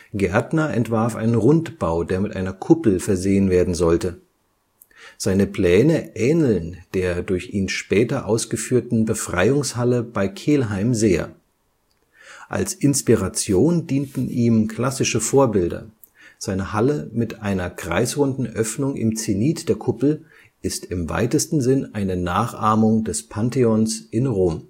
Gärtner entwarf einen Rundbau, der mit einer Kuppel versehen werden sollte. Seine Pläne ähneln der durch ihn später ausgeführten Befreiungshalle bei Kelheim sehr. Als Inspiration dienten ihm klassische Vorbilder, seine Halle mit einer kreisrunden Öffnung im Zenit der Kuppel ist im weitesten Sinn eine Nachahmung des Pantheons in Rom